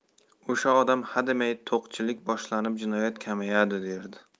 o'sha odam hademay to'qchilik boshlanib jinoyat kamayadi derdi